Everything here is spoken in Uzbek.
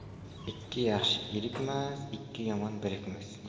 ikki yaxshi erikmas ikki yomon birikmas